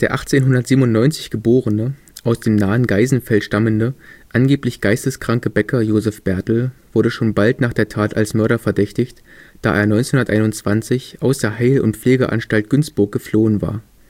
1897 geborene, aus dem nahen Geisenfeld stammende, angeblich geisteskranke Bäcker Josef Bärtl wurde schon bald nach der Tat als Mörder verdächtigt, da er 1921 aus der Heil - und Pflegeanstalt Günzburg geflohen war